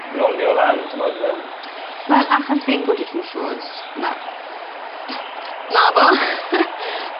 ...rolio lan t'mod ma'n. Wel achos fi'n goody two shoes na. Nado